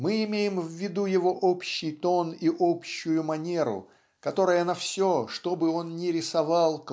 мы имеем в виду его общий тон и общую манеру которая на все что бы он ни рисовал